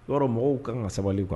O yɔrɔ mɔgɔw ka kan ka sabali kuwa